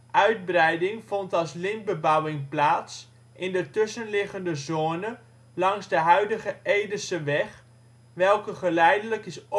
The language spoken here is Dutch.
Uitbreiding vond als lintbebouwing plaats in de tussenliggende zone langs de huidige edeseweg, welke geleidelijk is